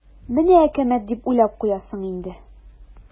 "менә әкәмәт" дип уйлап куясың инде.